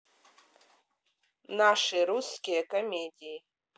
наши русские комедии